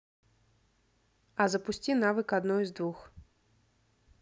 а запусти навык одно из двух